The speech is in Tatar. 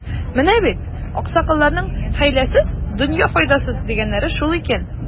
Менә бит, аксакалларның, хәйләсез — дөнья файдасыз, дигәннәре шул икән.